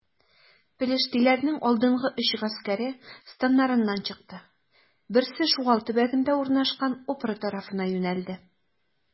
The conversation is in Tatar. Пелештиләрнең алдынгы өч гаскәре, станнарыннан чыкты: берсе Шугал төбәгендә урнашкан Опра тарафына юнәлде.